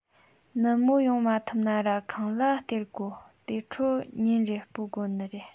ནུབ མོ ཡོང མ ཐུབ ན ར ཁང གླ སྟེར དགོ དེ འཕྲོ ཉིན རེར སྤོད དགོ ནི རེད